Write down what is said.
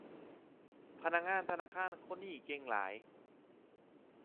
พนักงานธนาคารคนนี้เก่งหลาย